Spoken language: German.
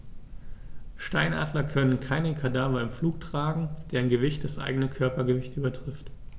Steinadler können keine Kadaver im Flug tragen, deren Gewicht das eigene Körpergewicht übertrifft.